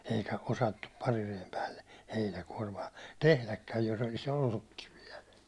eikä osattu parireen päälle heinäkuormaa tehdäkään jos olisi ollutkin vielä